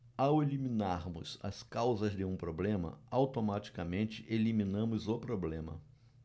ao eliminarmos as causas de um problema automaticamente eliminamos o problema